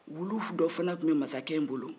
wulu dɔ fana tun bɛ masakɛ in bolo